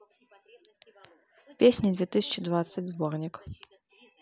песни две тысячи двадцать сборник